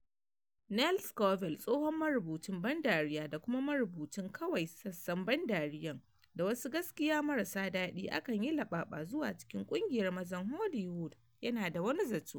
Nell Scovell, tsohon marubucin ban dariya da kuma marubucin “Kawai Sassan Ban Dariyan: Da Wasu Gaskia Mara Daɗi Akan Yin Laɓaɓa Zuwa Cikin Kungiyar Mazan Hollywood”, yana da wani zato.